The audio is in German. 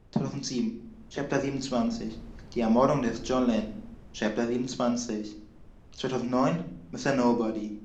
2007: Chapter 27 – Die Ermordung des John Lennon (Chapter 27) 2009: Mr. Nobody